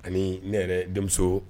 Ani ne yɛrɛ denmuso